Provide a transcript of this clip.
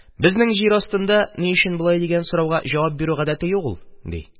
«безнең җир астында ни өчен болай дигән сорауга җавап бирү гадәте юк ул», – ди.